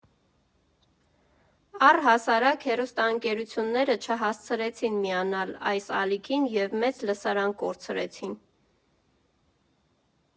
Առհասարակ, հեռուստաընկերությունները չհասցրեցին միանալ այս ալիքին և մեծ լսարան կորցրեցին։